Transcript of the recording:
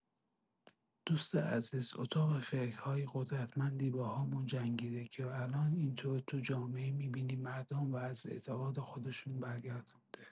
دوست عزیز اتاق فکرهای قدرتمندی باهامون جنگیده که الان اینطور تو جامعه می‌بینی مردم رو از اعتقاد خودشون برگردانده.